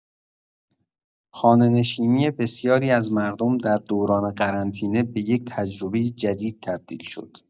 خانه‌نشینی بسیاری از مردم در دوران قرنطینه به یک تجربه جدید تبدیل شد.